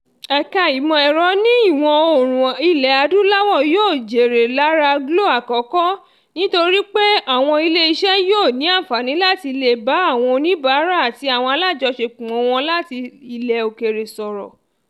Ẹ̀ka ìmọ̀ ẹ̀rọ ní Ìwọ Oòrùn Ilẹ̀ Adúláwò yóò jèrè lára Glo-1 nítorí pé àwọn ilé iṣẹ́ yóò ní àǹfààní láti le bá àwọn oníbàárà àti àwọn alájọṣepọ̀ wọn láti ilẹ̀ òkèèrè sọ̀rọ̀.